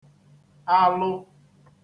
alụ